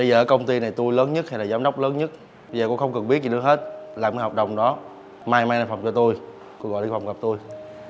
bây giờ ở công ty này tui lớn nhất hay là giám đốc lớn nhất giờ cô không cần biết gì nữa hết làm cái hợp đồng đó mai mang lên phòng cho tôi tôi gọi lên phòng gặp tôi